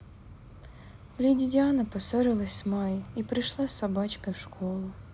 леди диана поссорилась с майей и пришла с собачкой в школу